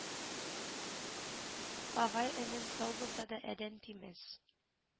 Агай-энең сау булса адәм тимәс